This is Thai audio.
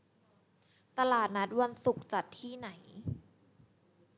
ตลาดนัดวันศุกร์จัดที่ไหน